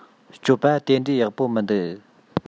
སྤྱོད པ དེ འདྲའི ཡག པོ མི འདུག